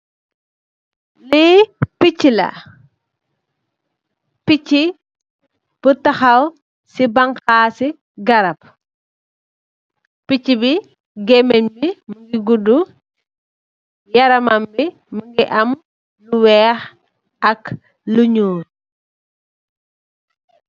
Lii picci la, picci bu taxaw si bangxasi garab, picci bi gemeej bi mingi gudu, yaramaam bi mingi am lu weex ak lu nyuul